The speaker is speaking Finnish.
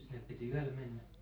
sinne piti yöllä mennä